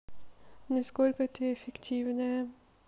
насколько ты эффективная